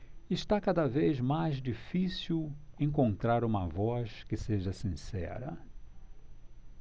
está cada vez mais difícil encontrar uma voz que seja sincera